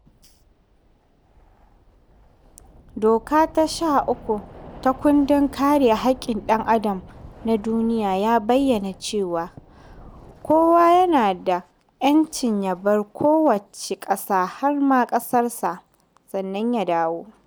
Doka ta 13 ta Kundin Kare Haƙƙin Dan Adam na Duniya ya bayyana cewa "Kowa yana da 'yancin ya bar kowacce ƙasa har ma ƙasarsa, sannan ya dawo".